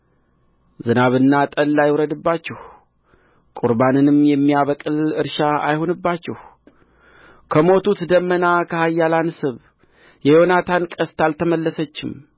ዝናብና ጠል አይውረድባችሁ ቍርባንንም የሚያበቅል እርሻ አይሁንባችሁ ከሞቱት ደምና ከኃያላን ስብ የዮናታን ቀስት አልተመለሰችም